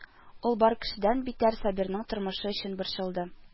Ул бар кешедән битәр Сабирның тормышы өчен борчылды